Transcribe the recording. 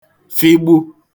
fịgbu